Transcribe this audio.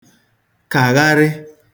kàgharị